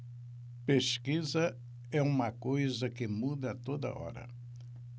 pesquisa é uma coisa que muda a toda hora